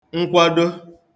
nkwado